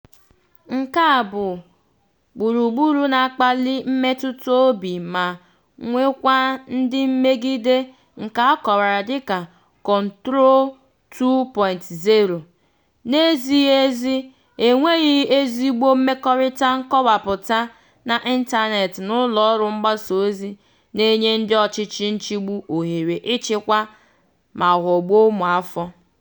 Nke a bụ gburugburu na-akpali mmetụta obi ma nwekwa ndị mmegide, nke a kọwara dịka "Control 2.0": "... N'ezighị ezi, enweghị ezigbo mmekọrịta nkọwapụta n'ịntanetị na ụlọọrụ mgbasaozi, na-enye ndị ọchịchị nchịgbụ ohere ịchịkwa na ghọgbụ ụmụafọ."